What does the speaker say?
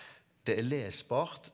det er lesbart.